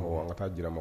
Awɔɔ an ka taa jira ma